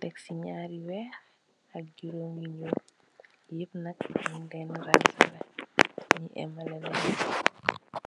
tek cii njaari wekh ak juromi njull, yepp nak njung len raanzaleh njee ehmaleh.